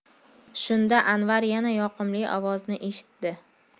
shunda anvar yana yoqimli ovozni eshitdi